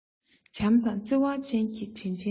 བྱམས དང བརྩེ བ ཅན གྱི དྲིན ཆེན མ